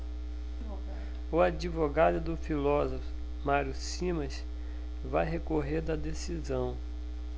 o advogado do filósofo mário simas vai recorrer da decisão